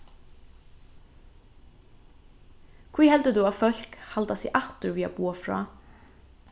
hví heldur tú at fólk halda seg aftur við at boða frá